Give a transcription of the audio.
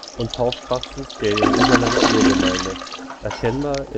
und Taufpraxis der Jerusalemer Urgemeinde, erkennbar